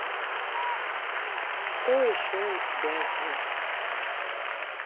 что еще у тебя есть